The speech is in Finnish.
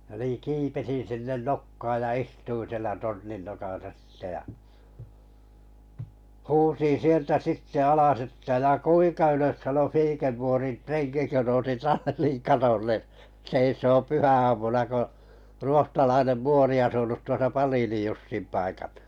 ja niin kiipesin sinne nokkaan ja istuin siellä tornin nokassa sitten ja huusin sieltä sitten alas että ja kuinka ylös sanoi Fiikerpoorin renki kun nousi tallin katolle seisomaan pyhäaamuna kun ruotsalainen muori asunut tuossa Palinin Jussin paikalla